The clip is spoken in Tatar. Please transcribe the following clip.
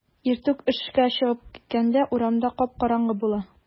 Иртүк эшкә чыгып киткәндә урамда кап-караңгы була.